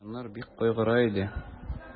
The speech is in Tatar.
Крестьяннар бик кайгыра иде.